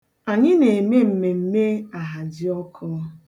Anyị na-eme mmemme ahajiọkụ.